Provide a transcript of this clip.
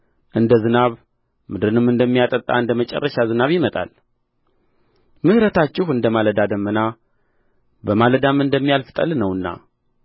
እንደ ዝናብም ምድርንም እንደሚያጠጣ እንደ መጨረሻ ዝናብ ይመጣል ምሕረታችሁ እንደ ማለዳ ደመና በማለዳም እንደሚያልፍ ጠል ነውና